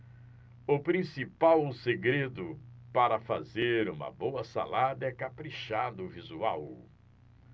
o principal segredo para fazer uma boa salada é caprichar no visual